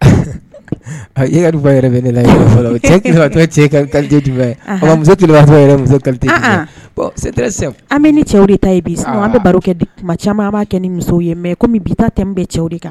Du an bɛ ni cɛw ta ye bi caman b'a kɛ ni muso ye mɛ kɔmi bi tɛmɛ bɛ cɛ